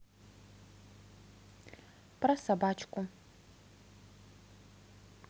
про собачку